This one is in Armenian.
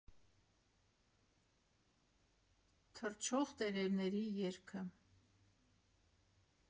Թռչող տերևների երգը։